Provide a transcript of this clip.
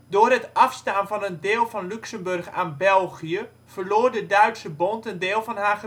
Door het afstaan van een deel van Luxemburg aan België verloor de Duitse Bond een deel van haar